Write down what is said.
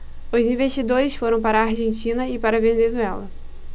os investidores foram para a argentina e para a venezuela